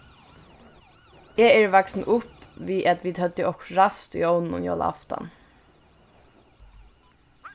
eg eri vaksin upp við at vit høvdu okkurt ræst í ovninum jólaaftan